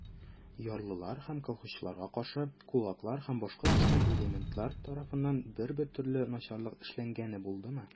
Ярлылар һәм колхозчыларга каршы кулаклар һәм башка дошман элементлар тарафыннан бер-бер төрле начарлык эшләнгәне булдымы?